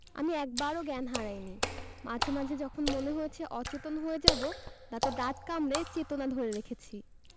আমি একবারও জ্ঞান হারাইনি মাঝে মাঝে যখন মনে হয়েছে অচেতন হয়ে যাবো দাঁতে দাঁত কামড়ে চেতনা ধরে রেখেছি